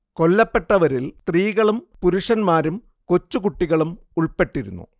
കൊല്ലപ്പെട്ടവരിൽ സ്ത്രീകളും പുരുഷന്മാരും കൊച്ചു കുട്ടികളും ഉൾപ്പെട്ടിരുന്നു